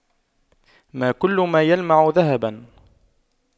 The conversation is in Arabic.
ما كل ما يلمع ذهباً